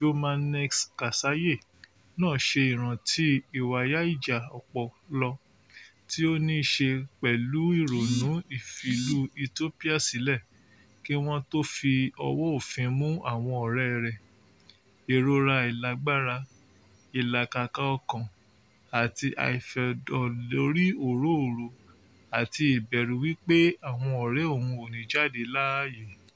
Jomanex Kasaye náà ṣe ìrántí ìwàyáìjà ọpọlọ tí ó ní í ṣe pẹ̀lú ìrònú ìfìlú Ethiopia sílẹ̀ kí wọ́n ó tó fi ọwọ́ òfin mú àwọn ọ̀rẹ́ẹ rẹ̀ — ìrora àìlágbára — ìlàkàkà ọkàn àti àìfẹ̀dọ̀lórí òróòró àti ìbẹ̀rù wípé àwọn ọ̀rẹ́ òhun ò ní jáde láàyè.